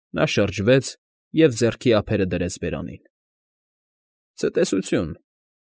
Նա շրջվեց և ձեռքի ափերը դրեց բերանին. ֊Ցը֊տեսությո՜ւն։